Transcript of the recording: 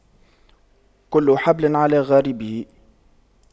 كل حبل على غاربه